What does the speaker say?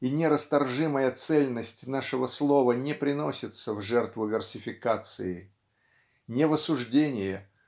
и нерасторжимая цельность нашего слова не приносится в жертву версификации. Не в осуждение